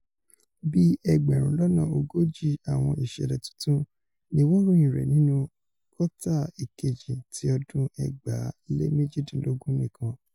Bíi ẹgbẹ̀rún lọ́nà ogójì àwọn ìṣẹ̀lẹ̀ tuntun ni wọ́n ròyìn rẹ̀ nínú kọ́tà ìkejì ti ọdún 2018 nìkan.